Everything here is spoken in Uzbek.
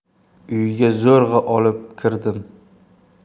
uyga zo'rg'a olib kirdim